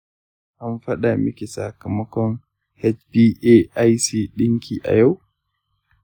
an faɗa miki sakamakon hba1c ɗinki ya hau?